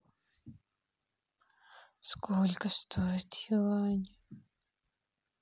сколько стоит юань